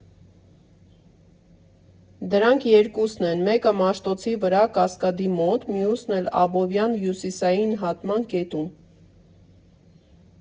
Դրանք երկուսն են, մեկը՝ Մաշտոցի վրա՝ Կասկադի մոտ, մյուսն էլ՝ Աբովյան֊Հյուսիսային հատման կետում։